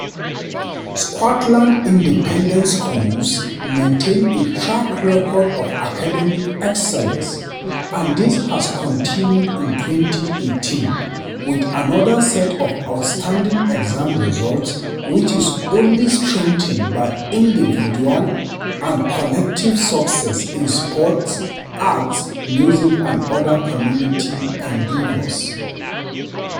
Scotland's independent schools maintain a track record of academic excellence, and this has continued in 2018 with another set of outstanding exam results, which is only strengthened by individual and collective success in sports, art, music and other community endeavors.